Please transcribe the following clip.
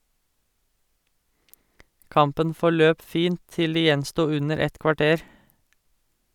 Kampen forløp fint til det gjensto under et kvarter.